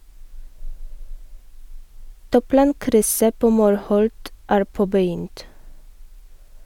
Toplankrysset på Morholt er påbegynt.